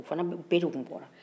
o fana bɛ de tun bɔra